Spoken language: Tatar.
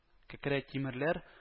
– кәкре тимерләр